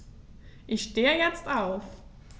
Ich stehe jetzt auf.